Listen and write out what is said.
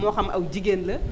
moo xam aw jigéen la